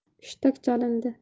hushtak chalindi